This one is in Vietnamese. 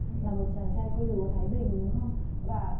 là một chàng trai quê lúa thái bình đúng không và